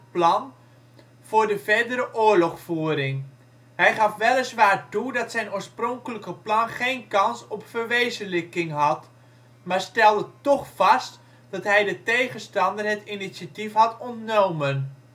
plan voor de verdere oorlogvoering. Hij gaf weliswaar toe dat zijn oorspronkelijke plan geen kans op verwezenlijking had, maar stelde toch vast dat hij de tegenstander het initiatief had ontnomen